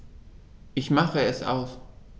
Ich mache es aus.